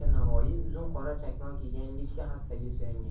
uzun qora chakmon kiygan ingichka hassaga suyangan